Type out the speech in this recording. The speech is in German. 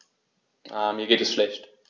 Mir geht es schlecht.